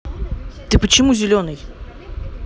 ты почему зеленый